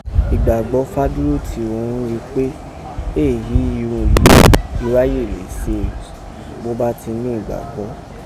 Igbagbọ Fádúrótì òghun rin pe éè hí irun yìí iráyé éè lè ṣe bó ba ti nẹ́ igbagbọ.